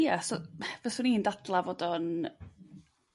Ie so byswn i'n dadla' fod o'n...